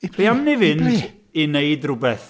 I ble? I ble?... Be am ni fynd i wneud rhywbeth?